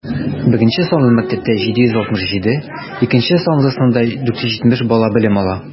Беренче санлы мәктәптә - 767, икенче санлысында 470 бала белем ала.